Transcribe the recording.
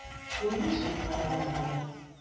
Төрле чакларыгыз булыр.